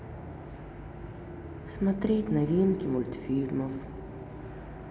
смотреть новинки мультфильмов